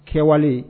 Kɛwali